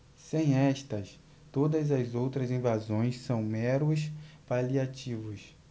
sem estas todas as outras invasões são meros paliativos